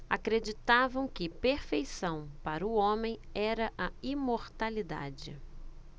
acreditavam que perfeição para o homem era a imortalidade